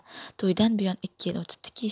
to'ydan buyon ikki yil o'tibdiki